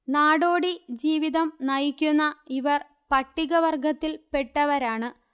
നാടോടി ജീവിതം നയിക്കുന്ന ഇവർ പട്ടിക വർഗത്തിൽ പെട്ടവരാണ്